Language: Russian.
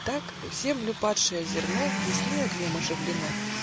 Так в землю падшее зерно Весны огнем оживлено.